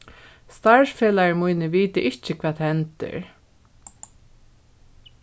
starvsfelagar mínir vita ikki hvat hendir